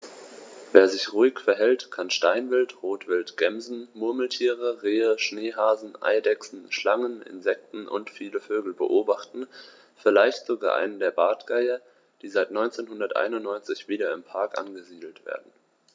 Wer sich ruhig verhält, kann Steinwild, Rotwild, Gämsen, Murmeltiere, Rehe, Schneehasen, Eidechsen, Schlangen, Insekten und viele Vögel beobachten, vielleicht sogar einen der Bartgeier, die seit 1991 wieder im Park angesiedelt werden.